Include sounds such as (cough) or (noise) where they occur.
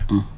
(hesitation)